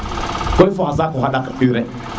tulin fo xa saaku xandaq urée